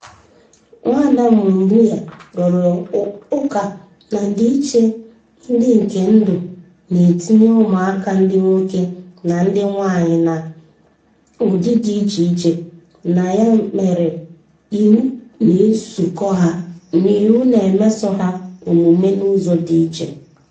Nwaada Mbuya rụrụ ụka na ndịiche ndị nke ndụ na-etinye ụmụaka ndị nwoke na ndị nwaanyị na "ụdị dị iche iche" na ya mere, iwu na-emeso ha omume n'ụzọ dị iche.